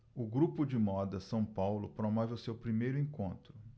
o grupo de moda são paulo promove o seu primeiro encontro